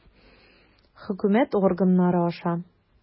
Хөкүмәт органнары аша.